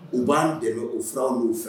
U ban dɛmɛ o fura no fɛ